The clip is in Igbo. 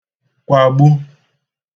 kwàgbu